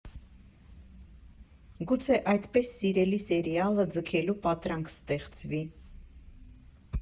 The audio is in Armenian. Գուցե այդպես սիրելի սերիալը ձգելու պատրանք ստեղծվի։